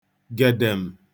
gèdèm̀